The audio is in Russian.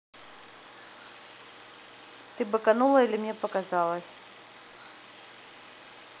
ты быканула или мне показалось